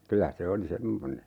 kyllä se oli semmoinen